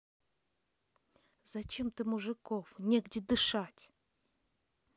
зачем ты мужиков негде дышать